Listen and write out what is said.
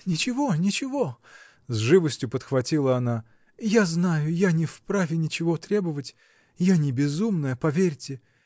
-- Ничего, ничего, -- с живостью подхватила она, -- я знаю, я не вправе ничего требовать я не безумная, поверьте